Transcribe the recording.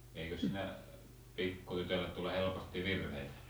eikös siinä pikkutytölle tule helposti virheitä